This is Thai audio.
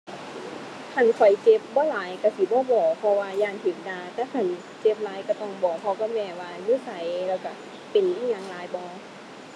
คันเป็นประเพณีที่ต้องเข้าวัดเข้าวาก็สิห่างหายไปจักหน่อยอยู่ คันอายุหลายก็สิจั่งเข้าหั้นนะ แต่ว่าคันเป็น สิ สิ สิให้ ให้เขาเข้าวัดนี่ก็ต้องแบบ มีอิหยังมาดึงเขาเข้า เช่นหมอลำจั่งซี้เขาก็สิเข้าอยู่ วัย วัยรุ่นน้อ คันสิให้แบบ เฮ็ดปิ่นโตเข้าไปนี่ก็ กะคือสิบ่ บ่เห็นดอก